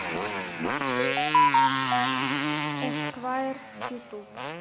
эсквайр ютуб